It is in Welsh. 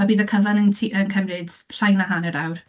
A bydd y cyfan yn tu- yn cymryd llai na hanner awr.